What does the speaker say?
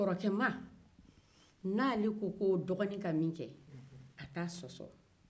kɔrɔkɛman n'ale ko dɔgɔnin ka min kɛ a t'a sɔsɔ